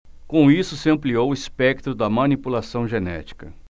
com isso se ampliou o espectro da manipulação genética